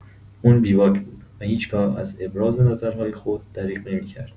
او بی‌باک بود و هیچ‌گاه از ابراز نظرهای خود دریغ نمی‌کرد.